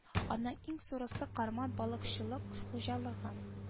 Аның иң зурысы карман балыкчылык хуҗалыгы